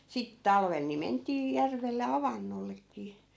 sitten talvella niin mentiin järvelle avannollekin